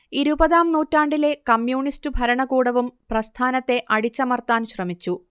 ഇരുപതാം നൂറ്റാണ്ടിലെ കമ്മ്യൂണിസ്റ്റു ഭരണകൂടവും പ്രസ്ഥാനത്തെ അടിച്ചമർത്താൻ ശ്രമിച്ചു